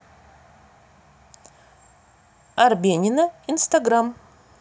арбенина инстаграм